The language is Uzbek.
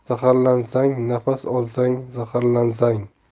ichsang zaharlansang nafas olsang zaharlansang